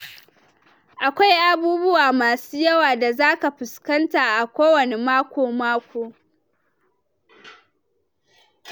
Akwai abubuwa masu yawa da za ka fuskanta a kowane mako-mako.